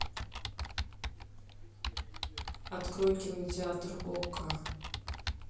открой кинотеатр окко